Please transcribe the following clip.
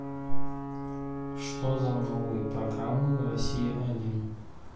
что за новые программы россия один